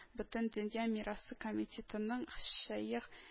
Бөтендөнья мирасы комитетының шәех